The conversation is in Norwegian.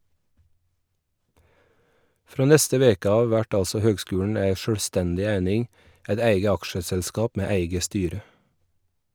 Frå neste veke av vert altså høgskulen ei sjølvstendig eining, eit eige aksjeselskap med eige styre.